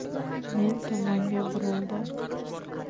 men tomonga burildi